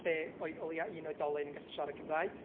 lle oedd o leia un oedolyn yn gallu siarad Cymraeg.